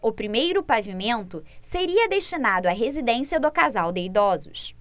o primeiro pavimento seria destinado à residência do casal de idosos